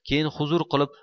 keyin huzur qilib